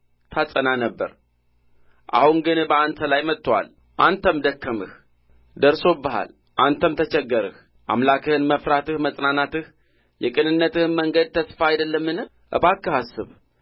ታጸና ነበር አሁን ግን በአንተ ላይ መጥቶአል አንተም ደከምህ ደርሶብሃል አንተም ተቸገርህ አምላክህን መፍራትህ መጽናናትህ የቅንነትህም መንገድ ተስፋህ አይደለምን እባክህ አስብ